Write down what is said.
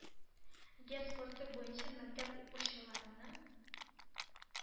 Гер спорты буенча мәктәп укучыларының